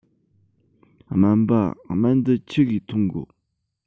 སྨན པ སྨན འདི ཆི གིས འཐུང དགོ